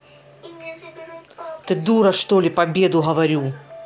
ты дура что ли победу говорю